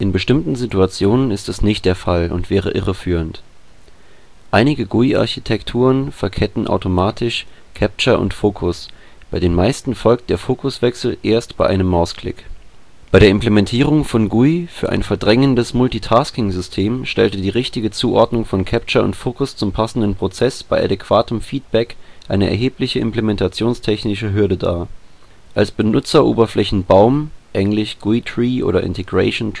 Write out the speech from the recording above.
bestimmten Situationen ist das nicht der Fall und wäre irreführend. Einige GUI-Architekturen verketten automatisch Capture und Fokus, bei den meisten folgt der Fokuswechsel erst bei einem Mausklick. Bei der Implementierung von GUI für ein verdrängendes Multitasking-System stellte die richtige Zuordnung von Capture und Focus zum passenden Prozess bei adäquatem Feedback eine erhebliche implementationstechnische Hürde dar. Als Benutzeroberflächenbaum (engl. GUI tree oder integration